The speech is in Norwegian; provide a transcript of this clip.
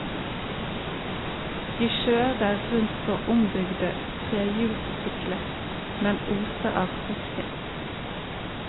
De kjører rundt på ombygde trehjulssykler, men oser av tøffhet.